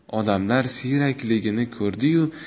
odamlar siyrakligini ko'rdi yu